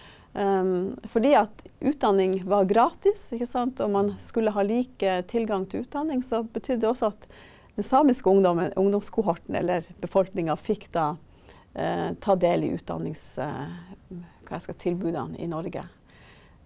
fordi at utdanning var gratis ikke sant, og man skulle ha lik tilgang til utdanning, så betydde det også at den samiske ungdommen ungdomskohorten eller befolkninga fikk da ta del i hva jeg skal tilbuda i Norge.